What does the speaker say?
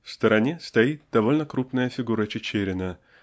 В стороне стоит довольно крупная фигура Чичерина